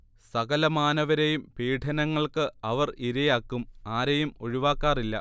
സകലമാനവരെയും പീഡനങ്ങൾക്ക് അവർ ഇരയാക്കും ആരെയും ഒഴിവാക്കാറില്ല